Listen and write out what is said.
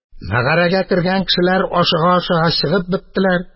Мәгарәгә кергән кешеләр ашыга-ашыга чыгып беттеләр.